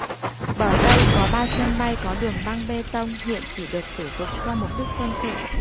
bờ tây có ba sân bay có đường băng bê tông hiện chỉ được sử dụng cho mục đích quân sự